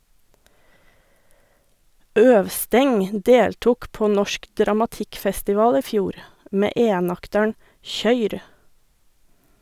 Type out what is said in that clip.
Øvsteng deltok på Norsk Dramatikkfestival i fjor, med enakteren "Køyr!".